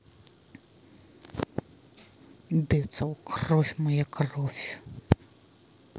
децл кровь моя кровь